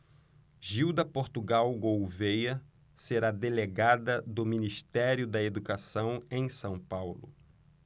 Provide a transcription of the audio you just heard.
gilda portugal gouvêa será delegada do ministério da educação em são paulo